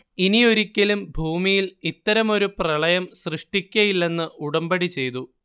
ഇനിയൊരിക്കലും ഭൂമിയിൽ ഇത്തരമൊരു പ്രളയം സൃഷ്ടിക്കയില്ലെന്ന് ഉടമ്പടി ചെയ്തു